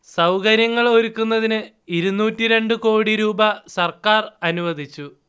സൗകര്യങ്ങൾ ഒരുക്കുന്നതിന് ഇരുന്നൂറ്റിരണ്ട് കോടി രൂപ സർക്കാർ അനുവദിച്ചു